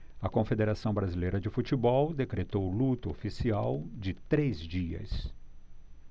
a confederação brasileira de futebol decretou luto oficial de três dias